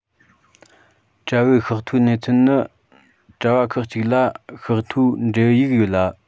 གྲྭ བའི ཤག ཐོའི གནས ཚུལ ནི གྲྭ བ ཁག གཅིག ལ ཤག ཐོའི འབྲེལ ཡིག ཡོད ལ